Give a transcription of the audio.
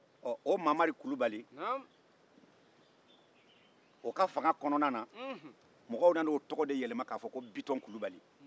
ɔ o mamari kulubali o ka fanga kɔnɔna na mɔgɔw nana o tɔgɔ de yɛlɛma k'a fɔ ko bitɔn kulubali